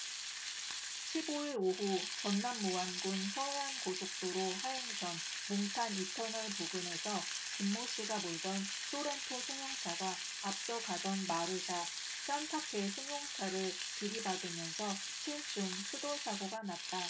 십 오 일 오후 전남 무안군 서해안고속도로 하행선 몽탄 이 터널 부근에서 김모씨가 몰던 쏘렌토 승용차가 앞서 가던 마르샤 싼타페 승용차를 들이받으면서 칠 중 추돌사고가 났다